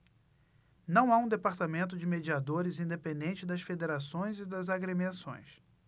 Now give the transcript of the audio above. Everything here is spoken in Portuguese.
não há um departamento de mediadores independente das federações e das agremiações